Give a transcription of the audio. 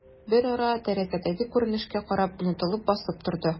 Берара, тәрәзәдәге күренешкә карап, онытылып басып торды.